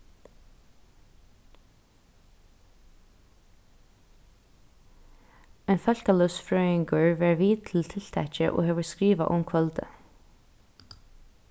ein fólkalívsfrøðingur var við til tiltakið og hevur skrivað um kvøldið